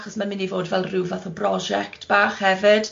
chos ma'n mynd i fod fel ryw fath o brosiect bach hefyd.